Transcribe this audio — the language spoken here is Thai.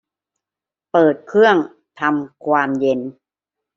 เปิดเครื่องทำความเย็น